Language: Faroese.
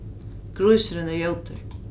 grísurin er ljótur